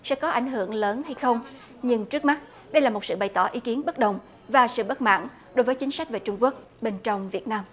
sẽ có ảnh hưởng lớn hay không nhưng trước mắt đây là một sự bày tỏ ý kiến bất đồng và sự bất mãn đối với chính sách về trung quốc bình trong việt nam